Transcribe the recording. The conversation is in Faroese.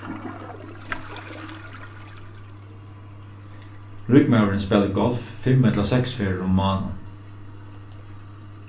ríkmaðurin spælir golf fimm ella seks ferðir um mánaðin